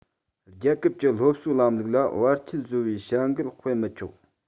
རྒྱལ ཁབ ཀྱི སློབ གསོའི ལམ ལུགས ལ བར ཆད བཟོ བའི བྱ འགུལ སྤེལ མི ཆོག